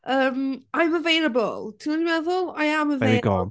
Yym I'm available. Timod be dwi'n meddwl? I am available... There you go.